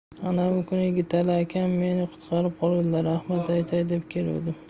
anavi kuni yigitali akam meni qutqarib qoluvdilar rahmat aytay deb keldim